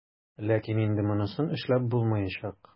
Ләкин инде монысын эшләп булмаячак.